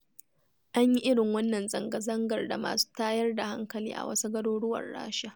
An yi irin wannan zanga-zangar da masu tayar da hankali a wasu garuruwan Rasha.